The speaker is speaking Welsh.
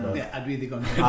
Na, ie, a dwi'n ddigon hynny.